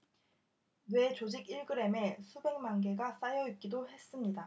뇌 조직 일 그램에 수백만 개가 쌓여 있기도 했습니다